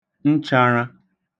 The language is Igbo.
nchārā